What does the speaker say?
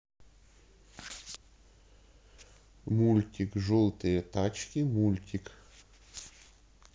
мультик желтые тачки мультик